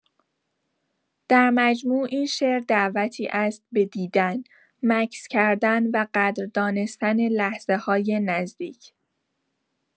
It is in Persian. در مجموع، این شعر دعوتی است به دیدن، مکث کردن و قدر دانستن لحظه‌های نزدیک.